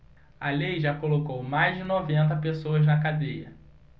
a lei já colocou mais de noventa pessoas na cadeia